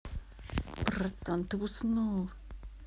братан ты уснул